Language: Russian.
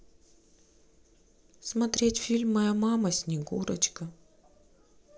смотреть фильм моя мама снегурочка